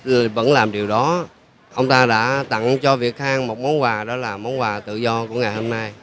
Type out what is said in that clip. vẫn làm điều đó ông ta đã tặng cho việt khang một món quà đó là món quà tự do của ngày hôm nay